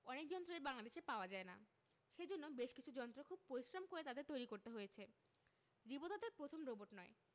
অনেক যন্ত্রই বাংলাদেশে পাওয়া যায় না সেজন্য বেশ কিছু যন্ত্র খুব পরিশ্রম করে তাদের তৈরি করতে হয়েছে রিবো তাদের প্রথম রোবট নয়